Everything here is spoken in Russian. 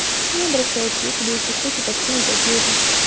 ну обращайся я тебе еще кучу подкину таких же